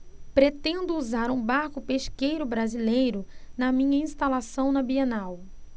pretendo usar um barco pesqueiro brasileiro na minha instalação na bienal